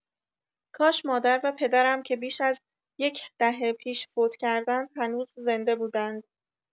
کاش مادر و پدرم، که بیش ازیک دهه پیش فوت کردند، هنوز زنده بودند.